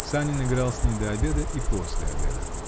Санин играл с ней до обеда и после обеда.